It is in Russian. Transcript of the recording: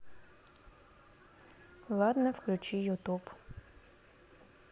ладно включи ютуб